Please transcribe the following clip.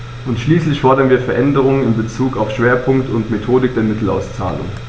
Und schließlich fordern wir Veränderungen in bezug auf Schwerpunkt und Methodik der Mittelauszahlung.